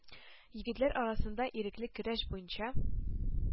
Егетләр арасында ирекле көрәш буенча